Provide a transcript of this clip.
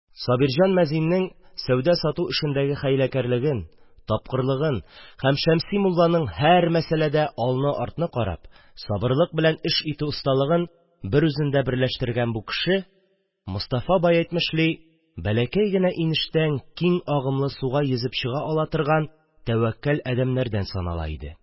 Сабирҗан мәзиннең сәүдә-сату эшендәге хәйләкәрлеген, тапкырлыгын һәм Шәмси мулланың һәр мәсәләдә алны-артны карап, сабырлык белән эш итү осталыгын берүзендә берләштергән бу кеше, Мостафа бай әйтмешли, бәләкәй генә инештән киң агымлы суга йөзеп чыга ала торган тәвәккәл әдәмнәрдән санала иде.